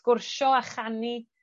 sgwrsio a chanu,